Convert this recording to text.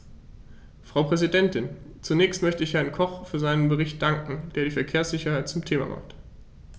Frau Präsidentin, zunächst möchte ich Herrn Koch für seinen Bericht danken, der die Verkehrssicherheit zum Thema hat.